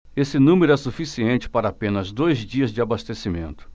esse número é suficiente para apenas dois dias de abastecimento